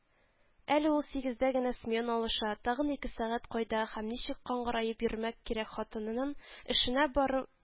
Әле ул сигездә генә смена алыша, тагын ике сәгать кайда һәм ничек каңгыраеп йөрмәк кирәк Хатынын эшенә барып